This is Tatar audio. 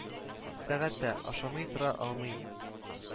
Сәгать тә ашамый тора алмыйм